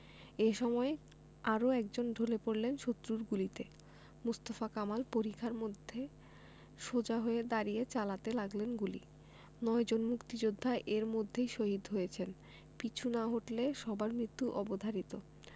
এ সময় আরও একজন ঢলে পড়লেন শত্রুর গুলিতে মোস্তফা কামাল পরিখার মধ্যে সোজা হয়ে দাঁড়িয়ে চালাতে লাগলেন গুলি নয়জন মুক্তিযোদ্ধা এর মধ্যেই শহিদ হয়েছেন পিছু না হটলে সবার মৃত্যু অবধারিত